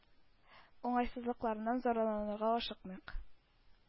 Уңайсызлыкларыннан зарланырга ашыкмыйк.